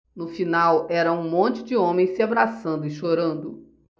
no final era um monte de homens se abraçando e chorando